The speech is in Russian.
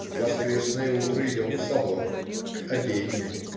В воскресное утро идем в собор, к обедне.